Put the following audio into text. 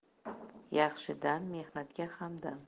yaxshi dam mehnatga hamdam